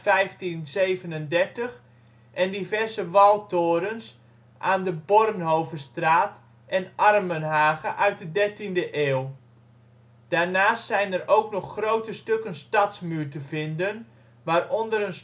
uit 1537) en diverse waltorens aan de Bornhovestraat en Armenhage (13e eeuw). Daarnaast zijn er ook nog grote stukken stadsmuur te vinden, waaronder